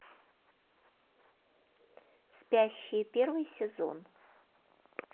спящие первый сезон